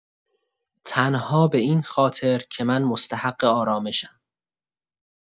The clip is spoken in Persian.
تنها به این خاطر که من مستحق آرامشم.